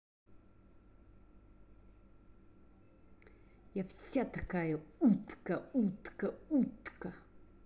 я вся такая утка утка утка